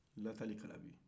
latalikalabi